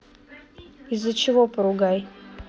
из за чего поругай